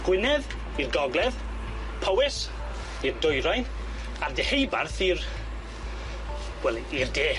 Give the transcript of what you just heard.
Gwynedd i'r gogledd, Powys i'r dwyrain, a'r deheubarth i'r, wel, i i'r de.